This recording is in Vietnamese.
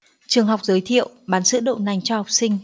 trường học giới thiệu bán sữa đậu nành cho học sinh